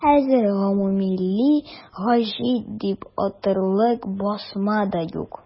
Бездә хәзер гомуммилли гәҗит дип атарлык басма да юк.